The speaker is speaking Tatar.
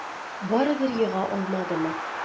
Барыбер ега алмадымы?